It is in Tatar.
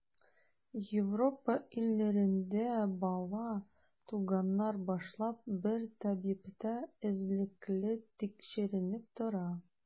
Европа илләрендә бала, туганнан башлап, бер табибта эзлекле тикшеренеп тора.